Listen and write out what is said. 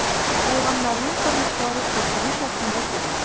Калганнарның тормышлары куркыныч астында түгел.